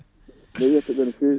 ɓeeɗa yettaɓe no fewi